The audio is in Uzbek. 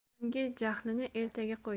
bugungi jahlni ertaga qo'y